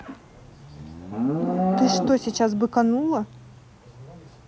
ты что сейчас быканула